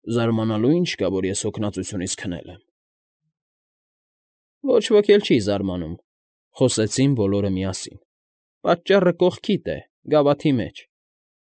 Զարմանալու ինչ կա, որ ես հոգնածությունից քնել եմ։ ֊ Ոչ ոք չի էլ զարմանում,֊ խոսեցին բոլորը միասին,֊ պատճառը կողքիդ է, գավաթի մեջ։